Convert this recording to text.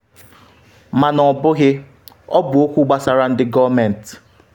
Mana ọ bụghị, ọ bụ okwu gbasara ndị gọọmentị.